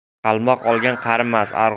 qalmoq olgan qarimas